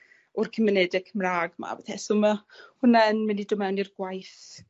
O'r cymunede Cymra'g 'ma fth o peth. So ma'